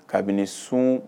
Kabini sun